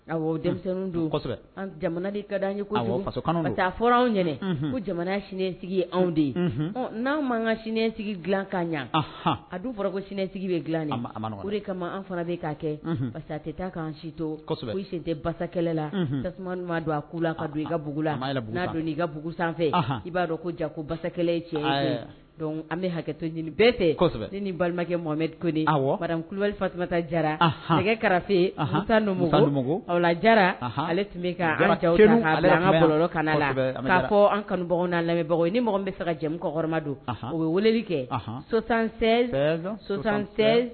Ka taa anw ko jamanasigi ye anw de ye n'an'an ka sinisigi dilakan ɲɛ a fɔra ko sinansigi bɛ dila o de kama an fana bɛ k'a kɛsa tɛ taaan si sin tɛsa la a la ibugulaa ibugu sanfɛ i b'a dɔn ko ja ko basa tiɲɛ an bɛ hakɛto ɲini bɛɛ fɛ ni balimakɛmɛ kulubalituta jara hakɛ karafe jara ale tun bɛ an kalɔ kana la'a fɔ an kanu n'a lamɛnbagaw ni mɔgɔ bɛ fɛ ka jamu kɔma don u ye weleli kɛ so tan